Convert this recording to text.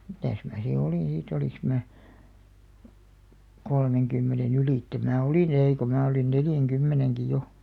mitäs minä sitten olin siitä olinko minä kolmenkymmenen ylitse minä olin ei kun minä olin neljänkymmenenkin jo